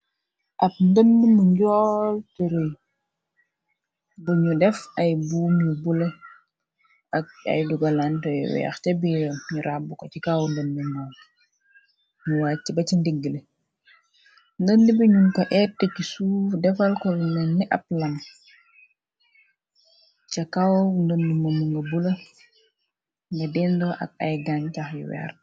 ab ndënd mu njoolturuy bu ñu def ay bumu bula ak ay dugalantrey weex ca biire ñu rabbu ko ci kaw ndëndu mu ñu wàcc ba ci ndiggle ndëndi bi nu ko etti ki suuf defal ko lu nen ni ab lam ca kaw ndëndu mëm nga bule nga dindoo ak ay gan tax yu weer